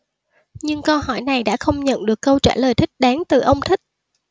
nhưng câu hỏi này đã không nhận được câu trả lời thích đáng từ ông thích